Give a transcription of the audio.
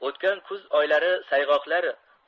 o'tgan kuz oylari